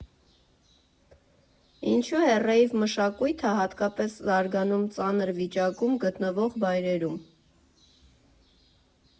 Ինչու է ռեյվ մշակույթը հատկապես զարգանում ծանր վիճակում գտնվող վայրերում.